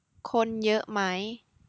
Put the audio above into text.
คนเยอะไหม